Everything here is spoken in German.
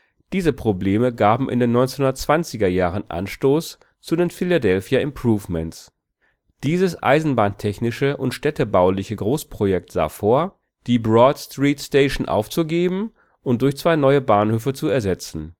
Diese Probleme gaben in den 1920er Jahren Anstoß zu den Philadelphia Improvements. Dieses eisenbahntechnische und städtebauliche Großprojekt sah vor, die Broad Street Station aufzugeben und durch zwei neue Bahnhöfe zu ersetzen